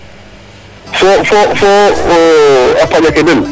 fo fo a paƴ ake den